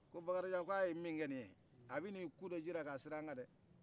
ko bakarijan k'a ye min kɛ nin ye a bɛ k'i ku do ji la k'a seri anka dɛhh